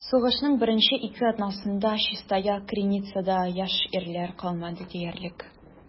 Сугышның беренче ике атнасында Чистая Криницада яшь ирләр калмады диярлек.